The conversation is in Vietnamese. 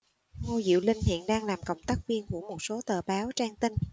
ngô diệu linh hiện đang làm cộng tác viên của một số tờ báo trang tin